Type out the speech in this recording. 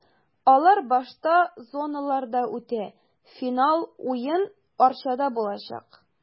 Алар башта зоналарда үтә, финал уен Арчада булачак.